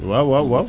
waaw waaw waaw